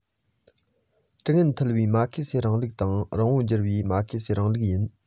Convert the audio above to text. དྲི ངན ཐུལ བའི མར ཁེ སིའི རིང ལུགས དང རེངས པོ གྱུར པའི མར ཁེ སིའི རིང ལུགས ཡིན